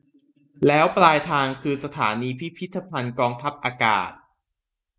แล้วปลายทางคือสถานีพิพิธภัณฑ์กองทัพอากาศ